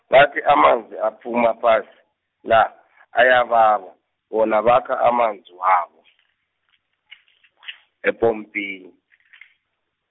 bathi amanzi aphuma phasi, la , ayababa, bona bakha amanzi wabo, epompini.